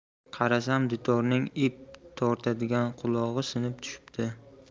qarasam dutorning ip tortadigan qulog'i sinib tushibdi